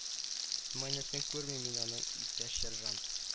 Майнәсен күрмим мин аның иптәш сержант